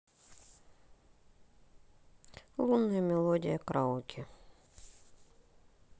лунная мелодия караоке